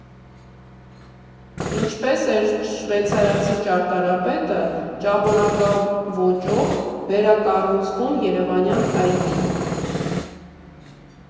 Ինչպես էր շվեյցարացի ճարտարապետը ճապոնական ոճով վերակառուցվում երևանյան այգին.